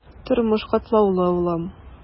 Тормыш катлаулы, улым.